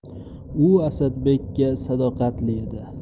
u asadbekka sadoqatli edi